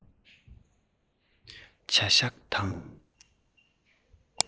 བྱ བཞག དང